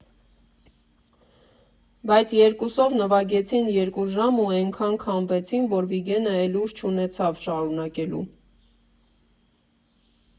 Բայց երկուսով նվագեցին երկու ժամ ու էնքան քամվեցին, որ Վիգենը էլ ուժ չունեցավ շարունակելու։